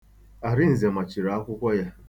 Arinze machiri akwụkwọ ya.